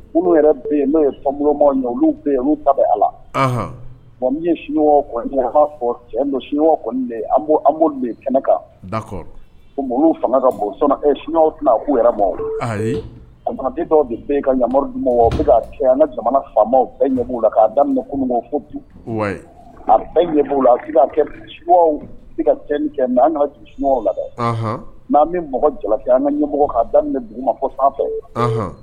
N yen n'o ye ta ala min ye fɔ cɛ amadu kɛnɛ kan fanga ka bon yɛrɛ a dɔw bɛ ka yama cɛ an ka jamana faamama bɛɛ ɲɛ b' la k' daminɛ kunun fɔ du a bɛɛ ɲɛ b' la kɛ ka cɛ kɛ an ka la dɛ n'an bɛ mɔgɔ jala an ka ɲɛmɔgɔ'a daminɛ b dugu ma fɔ san fɛ ye